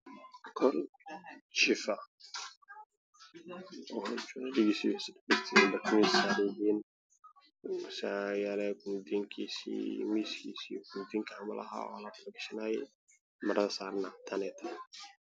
Meeshaan waxaa taalo sariir jiif ah oo saaran yahay go cadaan ah sariirta waa caddaan